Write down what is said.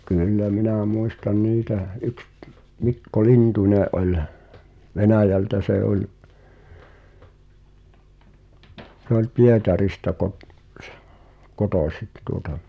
kyllä minä muistan niitä yksi - Mikko Lintunen oli Venäjältä se oli se oli Pietarista -- kotoisin tuota